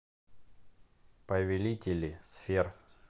повелители сфер